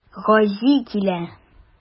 Гази килә.